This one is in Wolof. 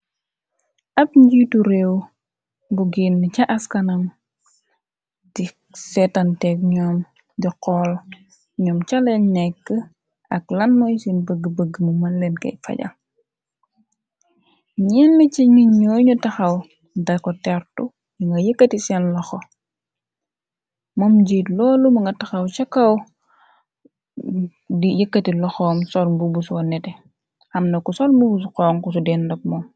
ab njiitu réew bu ginn ca askanam di seetanteg ñoom di xool ñoom caleel nekk ak lan mooy seen bëgg bëgg mu mën leen kay fajal ñeeln ca ni ñoo nu taxaw dako tertu yu nga yëkkati seen loxo moom njiit loolu mu nga taxaw ca kaw di yëkkati loxom sol bubuso nete amna ku sol mbubus konku su deen nag moom.